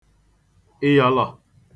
ị̀yọ̀lọ̀